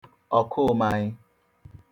ọ̀kụmayị